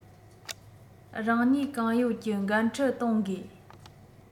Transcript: རང ནུས གང ཡོད ཀྱི འགན འཁྲི གཏོང དགོས